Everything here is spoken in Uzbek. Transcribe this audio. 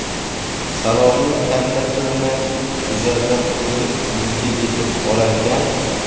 salomni kanda qilmay guzardan o'tib uyiga yetib olarkan